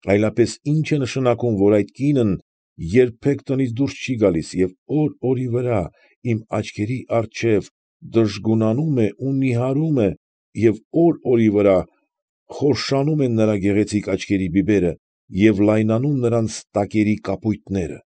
Այլապես ի՞նչ է նշանակում, որ այդ կինն երբեք տնից դուրս չի գալիս և օր֊օրի վրա, իմ աչքերի առջև դժգունանում է ու նիհարում և օր֊օրի վրա խոշորանում են նրա գեղեցիկ աչքերի բիբերը, և լայնանում նրանց տակերի կապույտները։